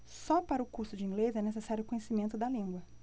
só para o curso de inglês é necessário conhecimento da língua